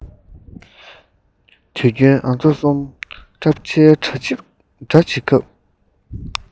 དུས རྒྱུན ང ཚོ གསུམ པྲ ཆལ འདྲ བྱེད སྐབས